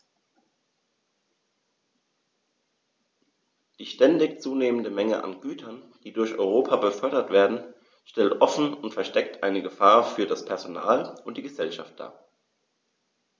Die ständig zunehmende Menge an Gütern, die durch Europa befördert werden, stellt offen oder versteckt eine Gefahr für das Personal und die Gesellschaft dar.